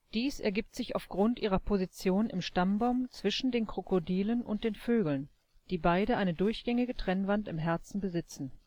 Dies ergibt sich aufgrund ihrer Position im Stammbaum zwischen den Krokodilen und den Vögeln, die beide eine durchgängige Trennwand im Herzen besitzen